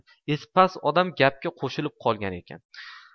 esi pas odam gapga qo'shilib qolgan ekan